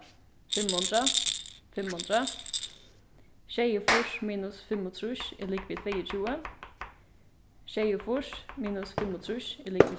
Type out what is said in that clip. fimm hundrað fimm hundrað sjeyogfýrs minus fimmogtrýss er ligvið tveyogtjúgu sjeyogfýrs minus fimmogtrýss er ligvið